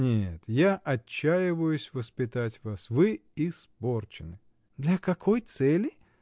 Нет, я отчаиваюсь воспитать вас. Вы испорчены! — Для какой цели?